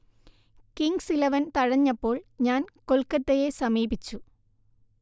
Kings Eleven തഴഞ്ഞപ്പോൾ ഞാൻ കൊൽക്കത്തയെ സമീപിച്ചു